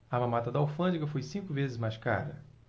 a mamata da alfândega foi cinco vezes mais cara